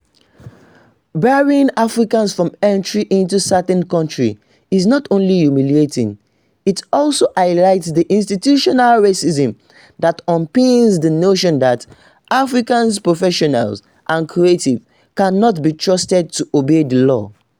Barring Africans from entry into certain countries is not only humiliating — it also highlights the institutional racism that underpins the notion that African professionals and creatives cannot be trusted to obey the law.